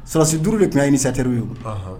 Susi duuruuru de tun ye ni sateri ye